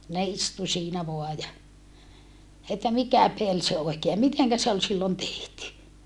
ne istui siinä vain ja että mikä peli se oikein ja miten se oli silloin tehty